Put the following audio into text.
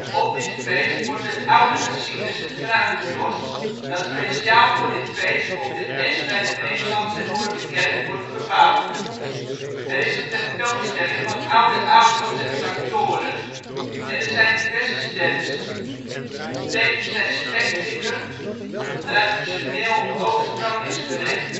Op dit feest wordt met oude machines het graan gedorst dat speciaal voor dit feest op de es bij de Nederlandse Hervormde kerk wordt verbouwd. Er is een tentoonstelling van oude auto 's en tractoren en er zijn diverse stands. Tevens zijn spekdikken, een traditioneel Oost-Gronings gerecht